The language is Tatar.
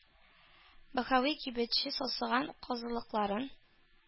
Баһави кибетче сасыган казылыкларын